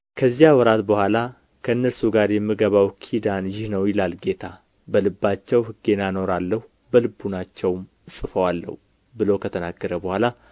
ከዚያ ወራት በኋላ ከእነርሱ ጋር የምገባው ኪዳን ይህ ነው ይላል ጌታ በልባቸው ሕጌን አኖራለሁ በልቡናቸውም እጽፈዋለሁ ብሎ ከተናገረ በኋላ